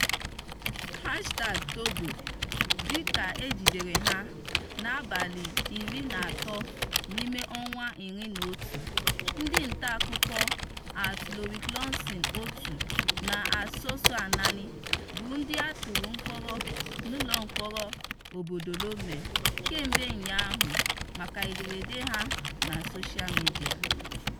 #Togo: dịka e jidere ha na 13/11, ndị ntaakụkọ @loiclawson1 na @SossouAnani bụ ndị a tụrụ mkpọrọ n'ụlọmkpọrọ obodo Lomé kemgbe ụnyaahụ maka ederede ha na soshal midịa.